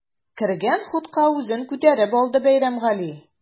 Кергән хутка үзен күтәреп алды Бәйрәмгали.